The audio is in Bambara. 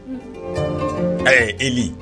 Ayiwa eli